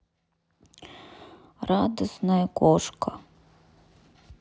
радостная кошка